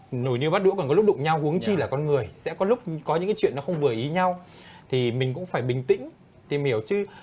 nồi niêu bát đũa còn có lúc đụng nhau huống chi là con người sẽ có lúc có những chuyện nó không vừa ý nhau thì mình cũng phải bình tĩnh tìm hiểu chứ